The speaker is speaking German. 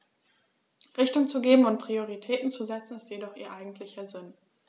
Richtung zu geben und Prioritäten zu setzen, ist jedoch ihr eigentlicher Sinn.